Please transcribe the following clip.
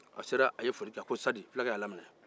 a sera a ye folikɛ ko sadi fulakɛ y'a laminɛ